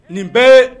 Nin bɛɛ ye